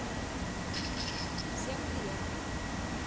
всем привет